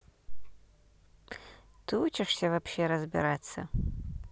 ты учишься вообще разбираться